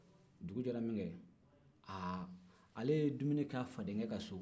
dugu jɛra min kɛ aaa ale ye dumini min kɛ a fadenkɛ ka so